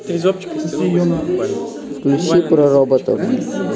включи про роботов